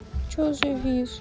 че завис